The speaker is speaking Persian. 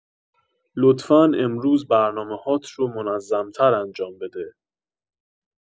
لطفا امروز برنامه‌‌هات رو منظم‌تر انجام بده